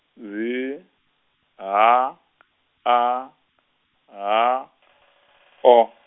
V H A H O.